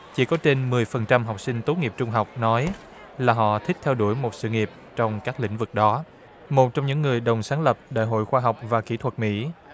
chỉ có trên mười phần trăm học sinh tốt nghiệp trung học nói là họ thích theo đuổi một sự nghiệp trong các lĩnh vực đó một trong những người đồng sáng lập để hội khoa học và kỹ thuật mỹ